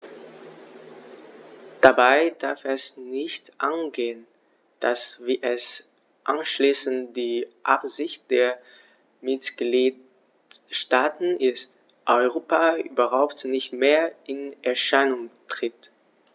Dabei darf es nicht angehen, dass - wie es anscheinend die Absicht der Mitgliedsstaaten ist - Europa überhaupt nicht mehr in Erscheinung tritt.